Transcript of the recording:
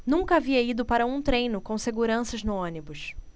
nunca havia ido para um treino com seguranças no ônibus